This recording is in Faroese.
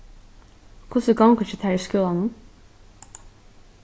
hvussu gongur hjá tær í skúlanum